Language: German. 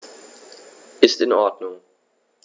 Ist in Ordnung.